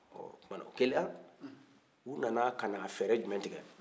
ɔ o tuma na o kɛra u nana ka na fɛɛrɛ jumɛn tigɛ